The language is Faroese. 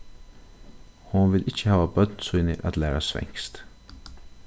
hon vil ikki hava børn síni at læra svenskt